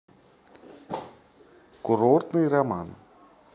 курортный роман